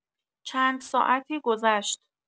چند ساعتی گذشت.